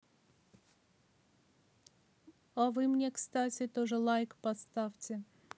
вы мне кстати тоже лайк поставьте